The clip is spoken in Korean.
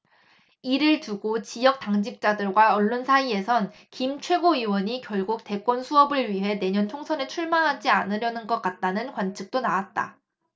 이를 두고 지역 당직자들과 언론 사이에선 김 최고위원이 결국 대권 수업을 위해 내년 총선에 출마하지 않으려는 것 같다는 관측도 나왔다